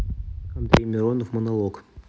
андрей миронов монолог